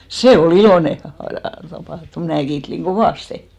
se oli iloinen asia tapahtuma minä kiittelin kovasti